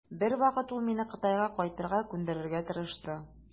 Бер вакыт ул мине Кытайга кайтырга күндерергә тырышты.